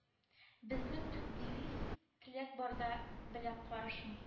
Безнең төп девиз теләк барда беләк карышмый